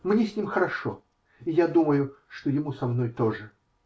Мне с ним хорошо, и я думаю, что ему со мной тоже.